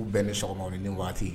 U bɛn ni sɔgɔma min ni waati